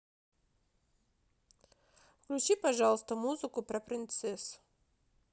включи пожалуйста музыку про принцесс